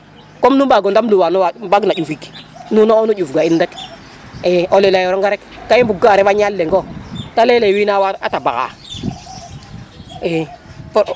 kom nu mbago ndam luwa nun we mbag na ƴufik nuno nu ƴuf ga in rek e o le leyonga rek ka i mbug a refa ñal lengo te leyele win wa xay tabaxa i